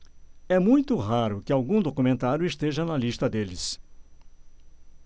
é muito raro que algum documentário esteja na lista deles